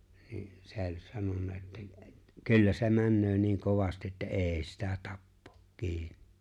niin se oli sanonut että kyllä se menee niin kovasti että ei sitä tapaa kiinni